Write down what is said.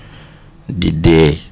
di dee